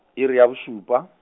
iri ya bo šupa.